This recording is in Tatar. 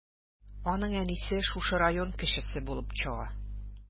Аның әнисе шушы район кешесе булып чыга.